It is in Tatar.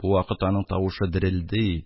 Бу вакыт аның тавышы дерелди,